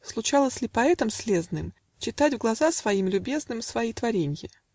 Случалось ли поэтам слезным Читать в глаза своим любезным Свои творенья?